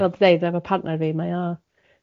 ...fel dwi'n ddeud efo partner fi mae o... Ie.